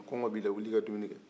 kɔngɔ b'i la wuli i ka dumuni kɛ